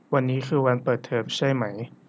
วันนี้คือวันเปิดเทอมใช่ไหม